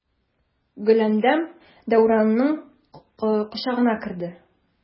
Гөләндәм Дәүранның кочагына керде.